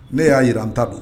Ne ya yira n ta don.